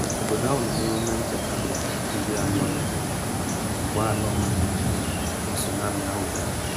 Obodo ahụ nọ na eme emume ncheta 40 ya mgbe ala ọmajiji na tsunami ahụ dara.